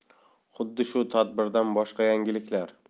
xuddi shu tadbirdan boshqa yangiliklar